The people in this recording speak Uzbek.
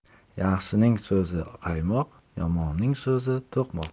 yaxshining so'zi qaymoq yomonning so'zi to'qmoq